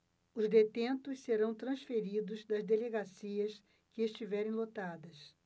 os detentos serão transferidos das delegacias que estiverem lotadas